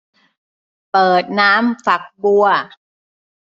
เปิดน้ำฝักบัว